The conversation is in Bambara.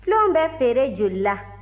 filenw bɛ feere joli la